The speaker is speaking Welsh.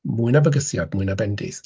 Mwy na bygythiad, mwy na bendith.